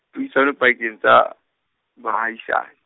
puisano pakeng, tsa baahisani.